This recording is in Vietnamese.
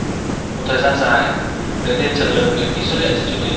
một thời gian dài cái tên trần lực hiếm khi xuất hiện trên truyền hình